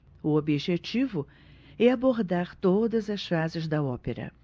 o objetivo é abordar todas as fases da ópera